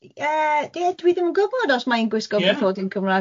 I- yy, dwi dwi ddim yn gw'bod os mae'n gwisgo... Ie.... bathodyn Cymrâg.